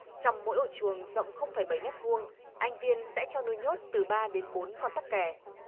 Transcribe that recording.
trong mỗi ô chuồng rộng không phẩy bẩy mét vuông anh viên sẽ cho nuôi nhốt từ ba đến bốn con tắc kè